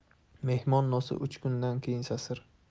mehmon nosi uch kundan keyin sasir